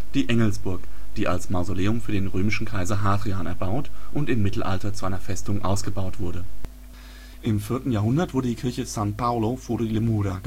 Engelsburg, die als Mausoleum für den römischen Kaiser Hadrian erbaut und im Mittelalter zu einer Festung ausgebaut wurde. Im 4. Jahrhundert wurde die Kirche San Paolo fuori le mura gebaut